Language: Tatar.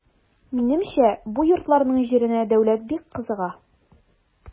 Минемчә бу йортларның җиренә дәүләт бик кызыга.